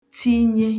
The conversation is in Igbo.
tinye